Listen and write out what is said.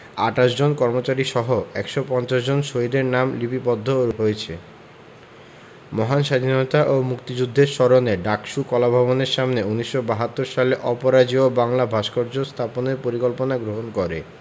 ২৮ জন কর্মচারীসহ ১৫০ জন শহীদের নাম লিপিবদ্ধ হয়েছে মহান স্বাধীনতা ও মুক্তিযুদ্ধের স্মরণে ডাকসু কলাভবনের সামনে ১৯৭২ সালে অপরাজেয় বাংলা ভাস্কর্য স্থাপনের পরিকল্পনা গ্রহণ করে